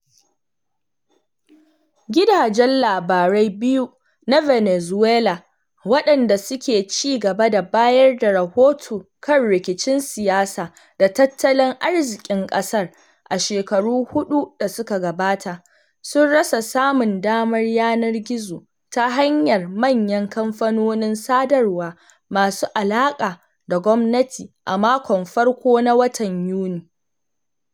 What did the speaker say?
Gidajen labarai biyu na Venezuela waɗanda suke ci gaba da bayar da rahoto kan rikicin siyasa da tattalin arziƙin ƙasar a shekaru huɗu da suka gabata, sun rasa samun damar yanar gizo ta hanyar manyan kamfanonin sadarwa masu alaƙa da gwamnati a makon farko na watan Yuni.